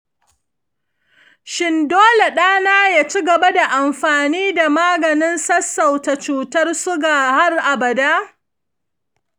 shin dole ɗana ya cigaba da amfani da maganin sassauta cutar suga har abada?